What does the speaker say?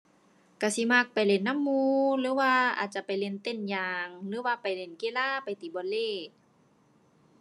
ก็สิมักไปเล่นนำหมู่ หรือว่าอาจจะไปเล่นเต้นยาง หรือว่าไปเล่นกีฬาไปตีวอลเลย์